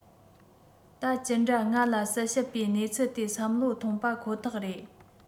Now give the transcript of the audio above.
ད ཅི འདྲ ང ལ གསལ བཤད པའི གནས ཚུལ དེ བསམ བློ ཐོངས པ ཁོ ཐག རེད